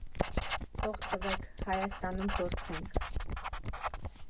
Փող տվեք՝ Հայաստանում փորձենք։